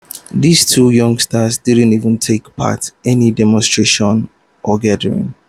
“These two youngsters didn't even take part any demonstration or gathering.